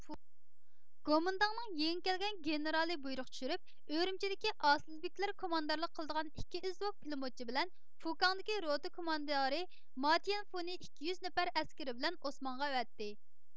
گومىنداڭنىڭ يېڭى كەلگەن گېنېرالى بۇيرۇق چۈشۈرۈپ ئۈرۈمچىدىكى ئاسىلبىكلەر كوماندىرلىق قىلىدىغان ئىكى ئىزۋوك پىلىموتچى بىلەن فۇكاڭدىكى روتا كوماندىرى ماتيەنفۇنى ئىككى يۈز نەپەر ئەسكىرى بىلەن ئوسمانغا ئەۋەتتى